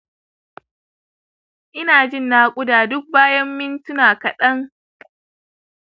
inajin nakuda duk bayan mintuna kaɗan